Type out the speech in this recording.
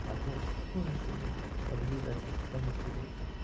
а то какое же им могли дать воспитание в деревне?.